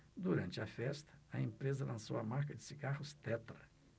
durante a festa a empresa lançou a marca de cigarros tetra